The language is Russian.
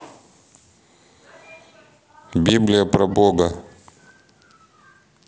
библия про бога